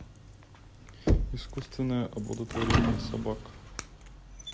искусственное оплодотворение собак